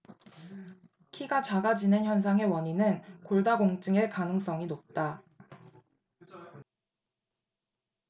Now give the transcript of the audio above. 키가 작아지는 현상의 원인은 골다공증일 가능성이 높다